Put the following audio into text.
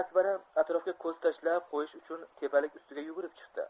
akbara atrofga ko'z tashlab qo'yish uchun tepalik ustiga yugurib chiqdi